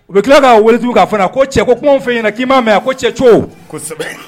U bɛ tila k ka wuliju k'a fana ko cɛ ko kumaw fɛ ɲɛna k'i m maa mɛn a ko cɛ cogo kosɛbɛ